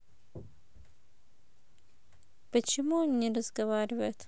почему он не разговаривает